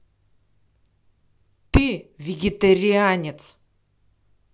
ты вегетаранец